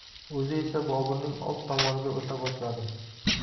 o'zi esa boburning old tomoniga o'ta boshladi